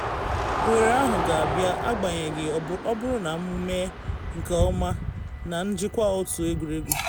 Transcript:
Ohere ahụ ga-abịa, agbanyeghị, ọ bụrụ na m mee nke ọma na njikwa otu egwuregwu.”